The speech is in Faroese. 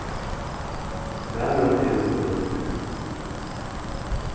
maðurin etur bønir